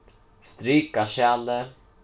strika skjalið